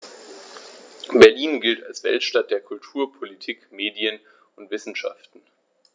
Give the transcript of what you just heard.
Berlin gilt als Weltstadt der Kultur, Politik, Medien und Wissenschaften.